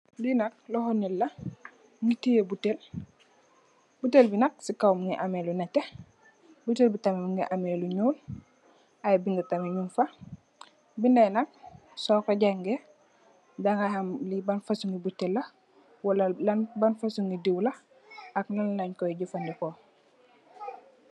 Li nak loxo nitt la mo tiye botale botale bi nak si kaw mongi ame lu nete botal bi tamit mongi ame lu nuul ay binda nyun fa bindai nak soko jangeh daga xam li ban fosongi botale la wala lan bang fosongi dew la ak lan len koi jefendeko.